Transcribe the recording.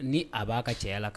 Ni a b'a ka cɛya la ka